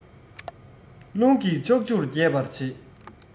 རླུང གིས ཕྱོགས བཅུར རྒྱས པར བྱེད